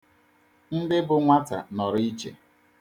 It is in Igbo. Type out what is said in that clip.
Ndị bụ nwata nọrọ iche.